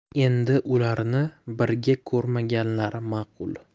endi ularni birga ko'rmaganlari ma'qul